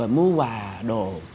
mua quà đồ